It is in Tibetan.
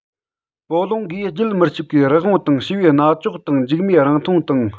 པོ ལུང གིས རྒྱུད མི གཅིག པའི རི བོང དང བྱི བའི རྣ ཅོག དང མཇུག མའི རིང ཐུང དང